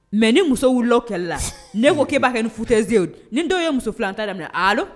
Mais ni muso wulila o kɛlɛ la n'e ko e b'a kɛ ni foutaise ni dɔw ye muso filata daminɛ allo